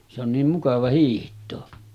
se on niin mukava hiihtää